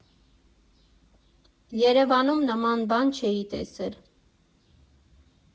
Երևանում նման բան չէի տեսել։